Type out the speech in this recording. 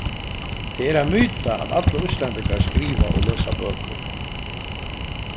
tað er ein myta at allir íslendingar skriva og lesa bøkur